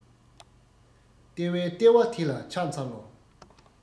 ལྟེ བའི ལྟེ བ དེ ལ ཕྱག འཚལ ལོ